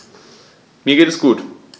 Mir geht es gut.